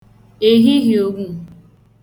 èhihieowù